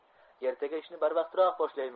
ertaga ishni barvaqtroq boshlaymiz